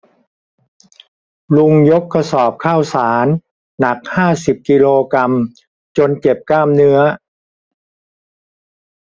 ลุงยกกระสอบข้าวสารหนักห้าสิบกิโลกรัมจนเจ็บกล้ามเนื้อ